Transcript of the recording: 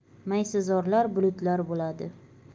maysazorlar bulutlar bo'ladi